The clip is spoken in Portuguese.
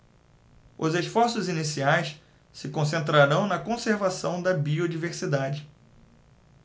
os esforços iniciais se concentrarão na conservação da biodiversidade